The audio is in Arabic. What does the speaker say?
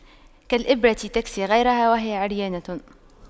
كالإبرة تكسي غيرها وهي عريانة